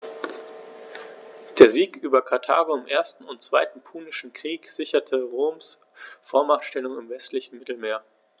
Der Sieg über Karthago im 1. und 2. Punischen Krieg sicherte Roms Vormachtstellung im westlichen Mittelmeer.